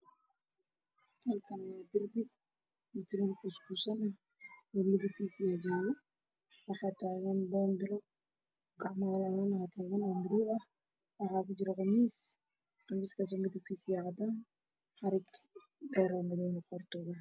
Waa carwo waxa ii muuqda khamiis ardayda ah oo darbi suran darbiga wajallo